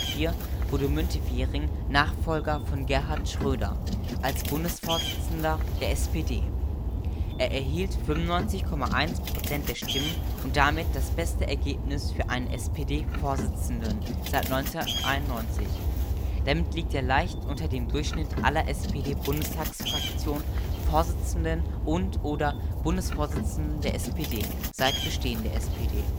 2004 wurde Müntefering Nachfolger von Gerhard Schröder als Bundesvorsitzender der SPD. Er erhielt 95,1 % der Stimmen und damit das beste Ergebnis für einen SPD-Vorsitzenden seit 1991. Damit liegt er leicht unter dem Durchschnitt aller SPD-Bundestagsfraktion-Vorsitzenden und/oder Bundesvorsitzenden der SPD seit Bestehen der SPD